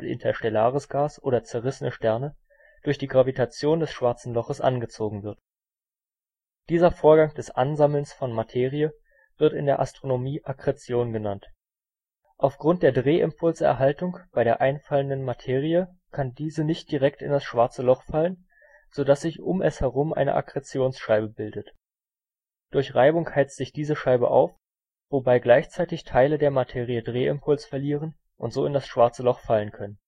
Interstellares Gas oder zerrissene Sterne) durch die Gravitation des Schwarzen Loches angezogen wird. Dieser Vorgang des Ansammelns von Materie wird in der Astronomie Akkretion genannt. Aufgrund der Drehimpulserhaltung bei der einfallenden Materie kann diese nicht direkt in das Schwarze Loch fallen, so dass sich um es herum eine Akkretionsscheibe bildet. Durch Reibung heizt sich diese Scheibe auf, wobei gleichzeitig Teile der Materie Drehimpuls verlieren und so in das Schwarze Loch fallen